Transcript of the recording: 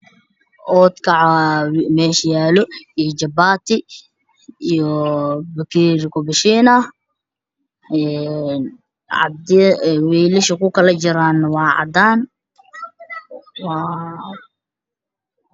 Oodkac baa meshaan yaalo iyo jabaati iyo bakeeri kubashiin ah